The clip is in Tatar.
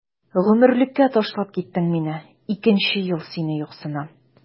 Гомерлеккә ташлап киттең мине, икенче ел сине юксынам.